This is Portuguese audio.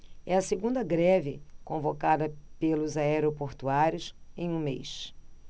é a segunda greve convocada pelos aeroportuários em um mês